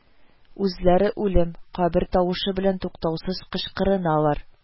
Үзләре үлем, кабер тавышы белән туктаусыз кычкырыналар: